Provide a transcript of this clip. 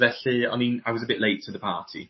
felly o'n i'n I was a bit late to the party.